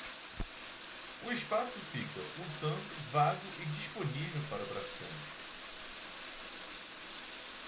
o espaço fica portanto vago e disponível para o traficante